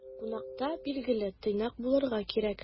Кунакта, билгеле, тыйнак булырга кирәк.